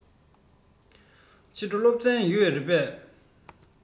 ཕྱི དྲོ སློབ ཚན ཡོད རེད པས